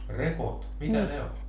rekot mitä ne oli